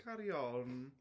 Carry on.